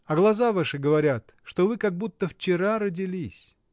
А глаза ваши говорят, что вы как будто вчера родились.